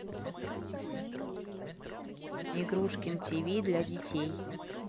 игрушкин тв для детей